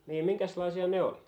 niin minkäslaisia ne oli